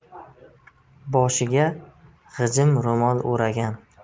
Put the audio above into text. boshiga g'ijim ro'mol o'ragan